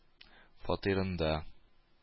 Фатирында